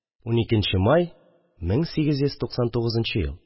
12 нче май, 1899 ел